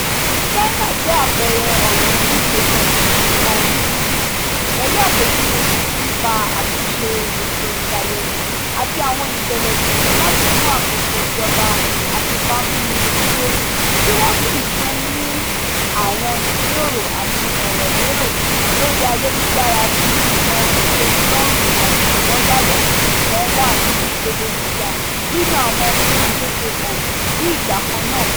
China jẹ́ àpẹẹrẹ ọ̀ràn onípìlẹ̀ kan níbí yìí, pẹ̀lú àpéjúwe kíkún nípa àtúnṣe ètò ìṣàyẹ̀wò àti àwọn ìṣẹ̀lẹ̀ tuntun láti mú àkóso ìjọba afipámúni dúró, tí wọn sì tún ń mú, "...àwọn ìjíròrò àti ìfọ̀rọ̀wérọ lórí ayélujára tí ìwọ̀n ìtẹ́nilọ́rùn àti ìlọ́yàyà wọn wà ní ìpele gíga, nínú àwọn gbèǹdéke kan." ní ìgbà kan náà.